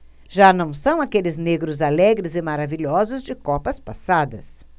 já não são aqueles negros alegres e maravilhosos de copas passadas